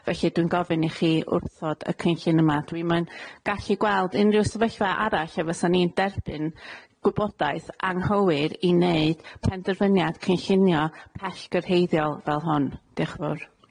Felly dwi'n gofyn i chi wrthod y cynllun yma. Dwi'm yn gallu gweld unrhyw sefyllfa arall lle fysan ni'n derbyn gwybodaeth anghywir i neud penderfyniad cynllunio pellgyrheiddiol fel hwn. Diolch yn fowr.